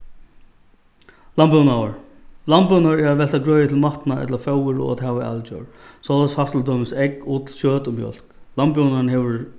landbúnaður landbúnaður er at velta grøði til matna ella fóður og at hava alidjór soleiðis fæst til dømis egg ull kjøt og mjólk landbúnaðurin hevur